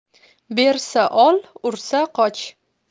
bersa ol ursa qoch